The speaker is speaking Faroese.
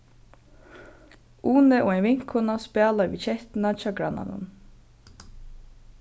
uni og ein vinkona spæla við kettuna hjá grannanum